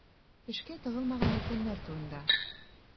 Эшкә тыгылмаган өлкәннәр турында.